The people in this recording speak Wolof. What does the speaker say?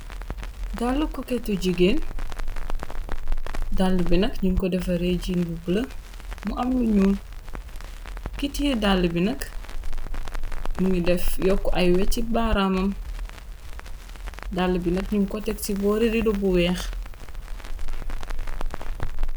Dallu koketu jigeen dall bi nag ñyung ko defa ree jiin bu bula mu am lu ñuul ku kutiye dàll bi nak mu ngi def yokk ay we ci baaraamam dall bi nag ñyung ko teg ci boore rido bu weex.